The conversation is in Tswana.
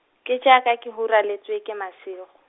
ke jaaka ke hularetswe ke masego.